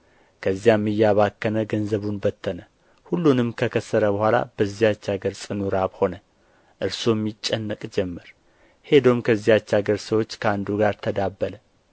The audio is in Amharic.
ከዚያም እያባከነ ገዘቡን በተነ ሁሉንም ከከሰረ በኋላ በዚያች አገር ጽኑ ራብ ሆነ እርሱም ይጨነቅ ጀመር ሄዶም ከዚያች አገር ሰዎች ከአንዱ ጋር ተዳበለ